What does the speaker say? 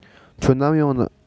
ཁྱོད ནམ ཡོང ནི